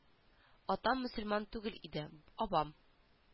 Атам мөселман түгел иде абам